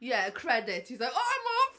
Ie credit, he's like; "oh, I'm off."